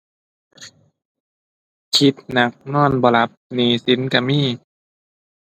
คิดหนัก นอนบ่หลับ หนี้สินก็มี